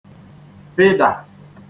pịdà